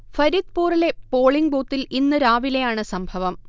ഫരിദ്പുറിലെ polling ബൂത്തിൽ ഇന്ന് രാവിലെയാണ് സംഭവം